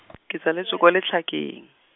ke tsaletswe kwa Letlhakeng.